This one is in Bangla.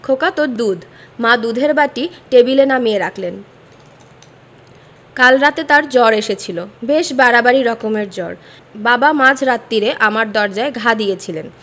খোকা তোর দুধ মা দুধের বাটি টেবিলে নামিয়ে রাখলেন কাল রাতে তার জ্বর এসেছিল বেশ বাড়াবাড়ি রকমের জ্বর বাবা মাঝ রাত্তিরে আমার দরজায় ঘা দিয়েছিলেন